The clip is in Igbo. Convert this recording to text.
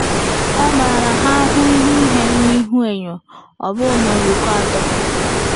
Ọ marala ha àhụ́ ịhụ ihe n'ihuenyo, ọ bụghị na onyoko atọ.